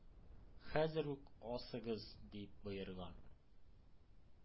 — хәзер үк асыгыз! — дип боерган.